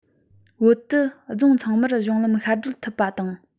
བོད དུ རྫོང ཚང མར གཞུང ལམ ཤར བགྲོད ཐུབ པ དང